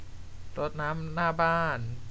รดน้ำหน้าบ้าน